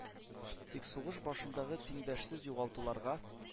Тик сугыш башындагы тиңдәшсез югалтуларга,